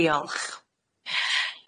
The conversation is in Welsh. Ddiolch.